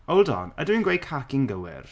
Hold on ydw i'n gweud khaki'n gywir?